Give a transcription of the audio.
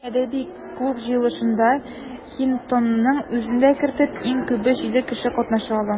Әдәби клуб җыелышында, Хинтонның үзен дә кертеп, иң күбе җиде кеше катнаша ала.